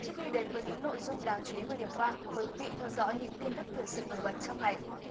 trước khi đến với những nội dung đáng chú ý vừa điểm qua mời quý vị theo dõi những tin tức thời sự nổi bật trong ngày